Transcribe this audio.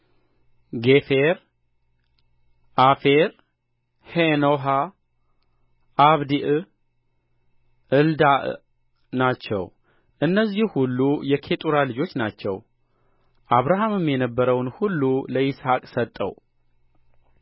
ጌፌር ዔፌር ሄኖኅ አቢዳዕ ኤልዳዓ ናቸው እነዚህ ሁሉ የኬጡራ ልጆች ናቸው አብርሃምም የነበረውን ሁሉ ለይስሐቅ ሰጠው